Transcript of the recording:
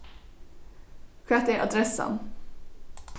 hvat er adressan